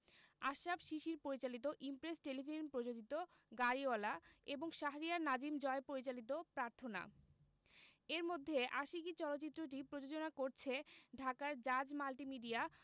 আশরাফ শিশির পরিচালিত Impress Telefilm প্রযোজিত গাড়িওয়ালা এবং শাহরিয়ার নাজিম জয় পরিচালিত প্রার্থনা এর মধ্যে আশিকী চলচ্চিত্রটি প্রযোজনা করছে ঢাকার জাজ মাল্টিমিডিয়া